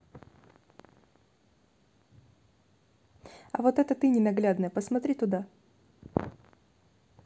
а вот это ты ненаглядная посмотри туда